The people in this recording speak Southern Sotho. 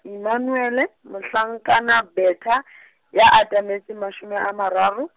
Emmanuele, Mohlankana Bertha , ya atametseng mashome a mararo.